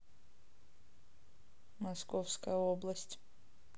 московская область